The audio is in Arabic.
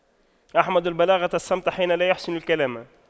أحمد البلاغة الصمت حين لا يَحْسُنُ الكلام